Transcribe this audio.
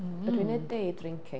Ydw i'n wneud "day drinking"?